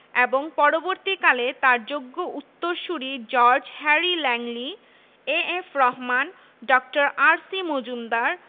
এতে করে বাসস্থান সমস্যার সৃষ্টি হয় পাকিস্তান সরকার এসব সমস্যার ব্যাপারে উদাসীন ছিল কারণ ছাত্ররাজনীতি বন্ধের লক্ষ্যে তারা বিশ্ববিদ্যালয়টিকে শহরের বাইরে স্থানান্তরে সচেষ্ট ছিল